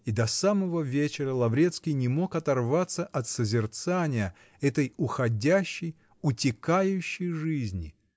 и до самого вечера Лаврецкий не мог оторваться от созерцания этой уходящей, утекающей жизни